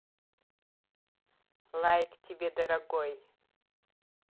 лайк тебе дорогой